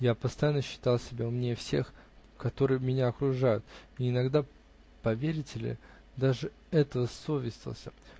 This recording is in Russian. (Я постоянно считал себя умнее всех, которые меня окружают, и иногда, поверите ли, даже этого совестился.